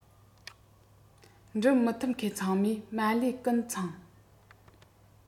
འབྲི མི ཐུབ མཁན ཚང མས མ ལུས ཀུན ཚང